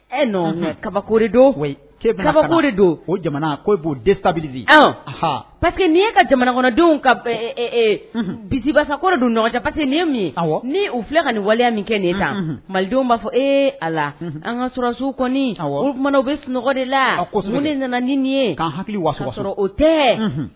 E nɔn kabako do kabako de don o jamana ko b'o di sabalibi di pa que nin ye ka jamana kɔnɔdenw ka bisimilabasa kɔrɔ donja pa que nin ye min ye ni u filɛ ka nin waleya min kɛ ne la malidenw b'a fɔ e a an kasɔrɔsiw kɔniumana u bɛ sunɔgɔ de la a ko sun ne nana ni nin ye ka hakili wa sɔrɔ o tɛ